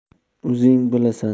o'zing bilasan